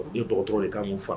N ye dɔgɔtɔrɔ ye ka mun fa